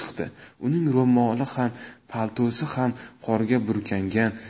uning ro'moli ham paltosi ham qorga burkangan